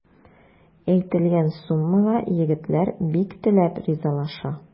Әйтелгән суммага егетләр бик теләп ризалаша.